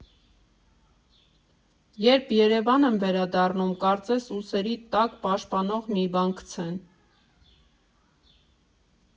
Երբ Երևան եմ վերադառնում, կարծես ուսերիդ տաք, պաշտպանող մի բան գցեն։